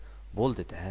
bo'ldi da